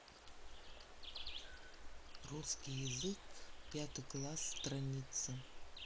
русский язык пятый класс страница